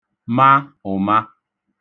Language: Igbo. ma ụ̀ma